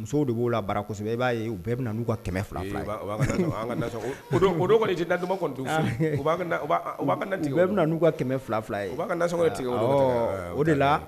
Muso de b'o la baara kosɛbɛ ,i b'a ye u bɛɛ bɛ na n'u ka 200 ,200 ye; Ee o b'an o b'an ka nasɔngɔ an ka nasɔngɔnw; O don kɔnni, i tɛ na duman kɔnni dun so, ,o b'a ka na b'a ka na tigɛ o don, u bɛɛ b'u na n'u ka 200,200 ye ;U b'a ka nasɔngɔn de tigɛ; O de la.